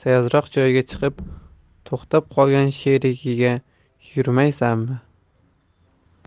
sayozroq joyga chiqib to'xtab qolgan sherigiga yurmaysanmi